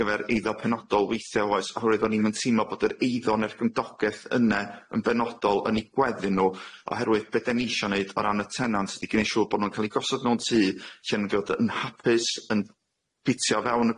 gyfer eiddo penodol weithia oes oherwydd o'n i'm yn teimlo bod yr eiddo ne'r gymdogaeth yne yn benodol yn eu gweddu nw oherwydd be' den ni isio neud o ran y tenant ydi gneud siŵr bo' nw'n ca'l i gosod nw'n tŷ lle nw'n deud yn hapus yn ffitio fewn y